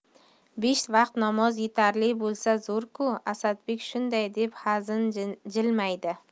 besh vaqt namoz yetarli bo'lsa zo'r ku asadbek shunday deb hazin jilmaydi